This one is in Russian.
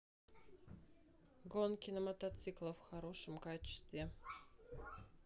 гонки на мотоциклах в хорошем качестве